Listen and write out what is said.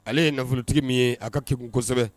Ale ye nafolotigi min ye a ka kisi kosɛbɛ